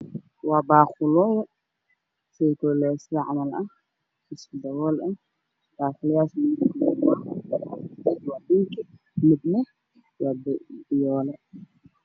Waa baa qolooyin sida guuleysooyinka camal ah oo isku dabool ah boqolooyinka mid waa blue mid oo guduud midna waa cagaar